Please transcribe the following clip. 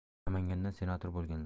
namangandan senator bo'lganlar